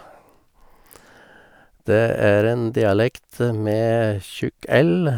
Det er en dialekt med tjukk l.